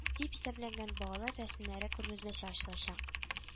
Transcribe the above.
Дип исемләнгән балалар рәсемнәре күргәзмәче ачылачак